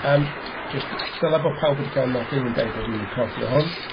Yym d- jyst dylai bod pawb wedi cael nodyn yn deud bod fi'n recordio hwn.